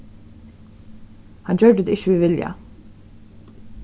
hann gjørdi tað ikki við vilja